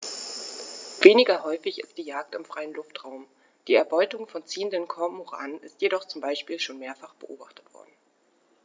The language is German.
Weniger häufig ist die Jagd im freien Luftraum; die Erbeutung von ziehenden Kormoranen ist jedoch zum Beispiel schon mehrfach beobachtet worden.